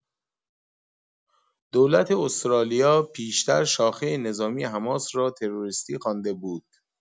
دولت استرالیا پیشتر شاخه نظامی حماس را تروریستی خوانده بود.